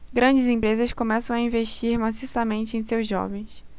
grandes empresas começam a investir maciçamente em seus jovens